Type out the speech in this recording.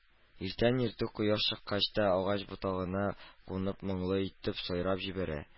Иртән-иртүк, кояш чыккач та, агач ботагына кунып моңлы итеп сайрап җибәрә